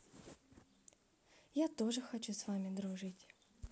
я тоже хочу с вами дружить